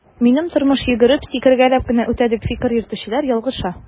Минем тормыш йөгереп, сикергәләп кенә үтә, дип фикер йөртүчеләр ялгыша.